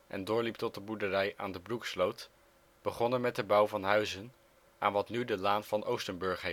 en doorliep tot de boerderij aan de Broeksloot, begonnen met de bouw van huizen aan wat nu de Laan van Oostenburg